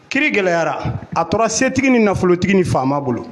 Kiri gɛlɛyara a tora setigi ni nafolotigi ni faama bolo